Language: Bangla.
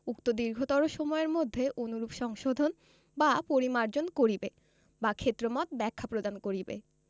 উক্ত দীর্ঘতর সময়ের মধ্যে অনুরূপ সংশোধন বা পরিমার্জন করিবে বা ক্ষেত্রমত ব্যাখ্যা প্রদান করিবে